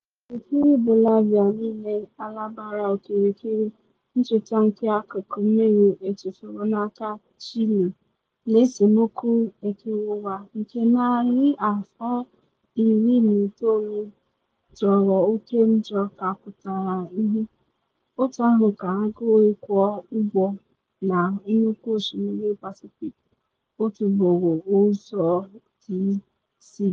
N’okirikiri Bolivia niile ala gbara okirikiri, ncheta nke akụkụ mmiri etufuru n’aka Chile n’esemokwu ekereụwa nke narị afọ 19 jọrọ oke njọ ka pụtara ihie - otu ahụ ka agụụ ịkwọ ụgbọ na Nnukwu Osimiri Pasifik otu ugboro ọzọ si dị.